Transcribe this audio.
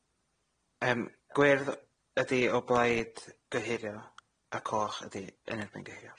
Yym gwyrdd ydi o blaid gohirio, a coch ydi yn erbyn gohirio.